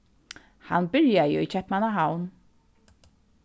hann byrjaði í keypmannahavn